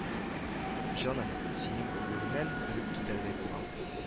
Җаным, синең үбүеңнән эреп китәрдәй булам.